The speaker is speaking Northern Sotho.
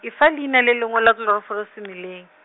efa leina le lengwe la , semeleng.